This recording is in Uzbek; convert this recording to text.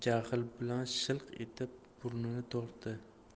shilq etib burnini tortadi